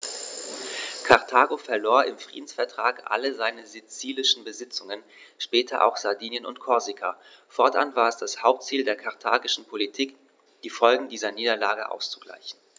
Karthago verlor im Friedensvertrag alle seine sizilischen Besitzungen (später auch Sardinien und Korsika); fortan war es das Hauptziel der karthagischen Politik, die Folgen dieser Niederlage auszugleichen.